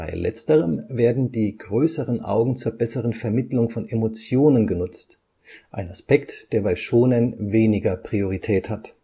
Letzterem werden die größeren Augen zur besseren Vermittlung von Emotionen genutzt – ein Aspekt der bei Shōnen weniger Priorität hat